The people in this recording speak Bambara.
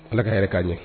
Ala ka hɛrɛ k'an ye